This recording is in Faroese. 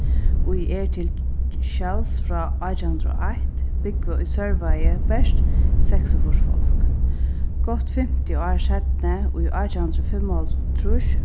ið er til skjals frá átjan hundrað og eitt búgva í sørvági bert seksogfýrs fólk gott fimti ár seinni í átjan hundrað og fimmoghálvtrýss